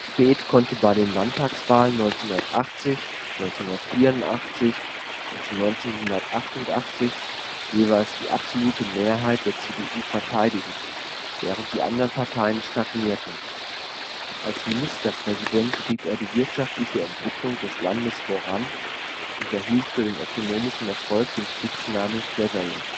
konnte bei den Landtagswahlen 1980, 1984 und 1988 jeweils die absolute Mehrheit der CDU verteidigen, während die anderen Parteien stagnierten. Als Ministerpräsident trieb er die wirtschaftliche Entwicklung des Landes voran und erhielt für den ökonomischen Erfolg den Spitznamen „ Cleverle